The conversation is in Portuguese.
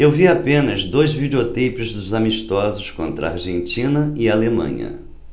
eu vi apenas dois videoteipes dos amistosos contra argentina e alemanha